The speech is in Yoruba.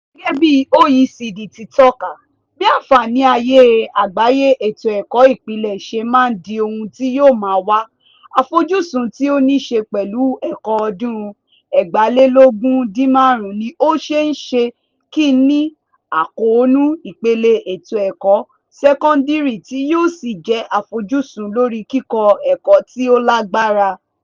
Gẹ́gẹ́ bí OECD tí tọ́ka, bí àǹfààní ààyè àgbáyé ètò ẹ̀kọ́ ìpìlẹ̀ ṣe máa di ohun tí yóò máa wà, àfojúsùn tí ó ní ṣe pẹ̀lú ẹ̀kọ́ ọdún 2015 ni ó ṣeé ṣe kí ní àkóónú ìpele ètò ẹ̀kọ́ sẹ́kọ́ńdírì tí yóò sì kó àfojúsùn lórí kíkọ́ ẹ̀kọ́ tí ó lágbára.